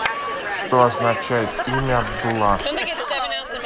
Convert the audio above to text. что означает имя абдула